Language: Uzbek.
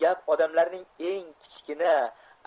gap odamlarning eng kichkina